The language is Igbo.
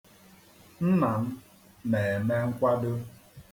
Nna m na-eme nkwado.